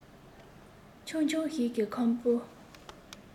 ཆུང ཆུང ཞིག གིས ཁམ བུ